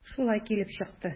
Шулай килеп чыкты.